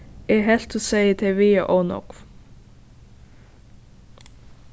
eg helt tú segði at tey vigaðu ov nógv